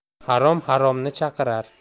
harom haromni chaqirar